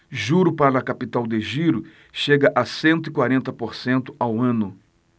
juro para capital de giro chega a cento e quarenta por cento ao ano